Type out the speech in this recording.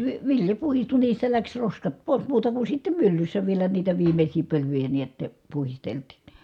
- vilja puhdistui niistä lähti roskat pois muuta kuin sitten myllyssä vielä niitä viimeisiä pölyjä näet puhdistettiin